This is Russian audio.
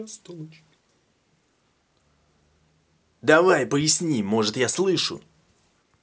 давай поясни может я слышу